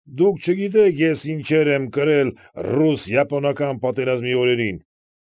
Դուք չգիտեք ես ինչեր եմ կրել ռուս֊յապոնական պատերազմի օրերին։